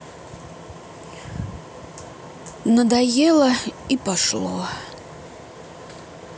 надоело и пошло